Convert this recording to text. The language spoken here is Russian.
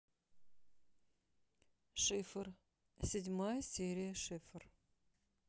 шифр седьмая серия шифр